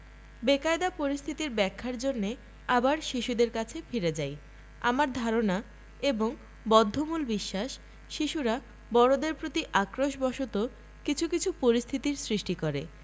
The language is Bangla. বেকায়দা পরিস্থিতির ব্যাখ্যার জন্যে আবার শিশুদের কাছে ফিরে যাই আমার ধারণা এবং বদ্ধমূল বিশ্বাস শিশুরা বড়দের প্রতি আক্রোশ বসত কিছু কিছু পরিস্থিতির সৃষ্টি করে